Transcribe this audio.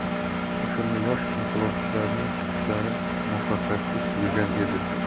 o'shanda yosh inqilobchilarning chiqishlari muvaffaqiyatsiz tugagan edi